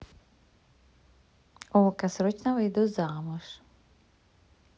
okko срочно выйду замуж